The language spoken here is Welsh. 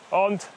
ond